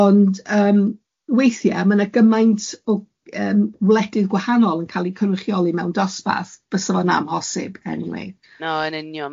Ond yym weithiau ma' na gymaint o yym wledydd gwahanol yn cael eu cynrychioli mewn dosbarth, bysa fo'n amhosib eniwe. No, in union.